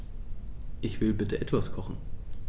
Ich will bitte etwas kochen.